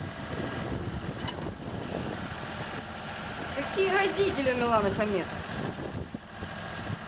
какие родители у миланы хаметовой